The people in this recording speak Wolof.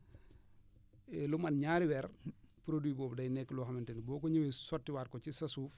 lu mat ñaari weer produit boobu day nekk lu nga xamante ne boo ko ñëwee sottiwaat ko ci sa suuf